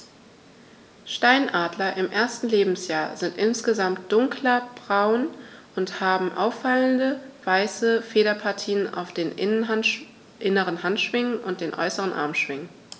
Steinadler im ersten Lebensjahr sind insgesamt dunkler braun und haben auffallende, weiße Federpartien auf den inneren Handschwingen und den äußeren Armschwingen.